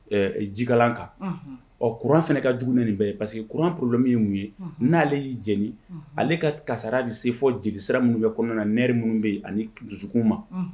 Ɛɛ i ji kalan kan unhun ɔ courant fɛnɛ ka jugu ni nin bɛɛ ye parce que courant problème ye mun ye unhun n'ale y'i jeni unhun ale ka k kasara bi se fo jelisira minnu bɛ kɔnɔna na nerfs minnu be ye ani k dusukun ma unhun